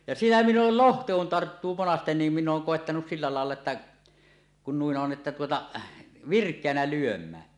ja siinä minä olen lohta kun tarttuu monasti niin minä olen koettanut sillä lailla että kun noin on että tuota virkeänä lyömään